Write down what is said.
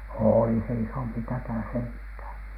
oli se isompi tätä sentään